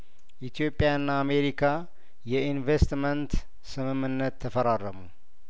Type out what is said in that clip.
ኢትዮጵያና አሜሪካ የኢንቨስትመንት ስምምነት ተፈራረሙ